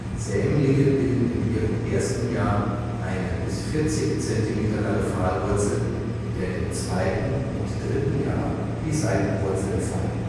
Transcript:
Sämlinge bilden in ihrem ersten Jahr eine bis 40 Zentimeter lange Pfahlwurzel, der im zweiten und dritten Jahr die Seitenwurzeln folgen